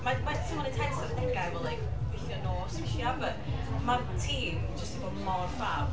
Mae ma' di teimlo'n intense ar adegau efo like gweithio nos. Wnes i arfer. Ond ma'r tîm jyst 'di bod mor ffab.